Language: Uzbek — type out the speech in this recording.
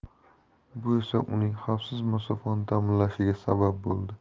bu esa uning xavfsiz masofani ta'minlashiga sabab bo'ldi